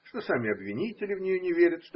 что сами обвинители в нее не верят